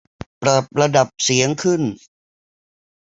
ปรับระดับเสียงขึ้น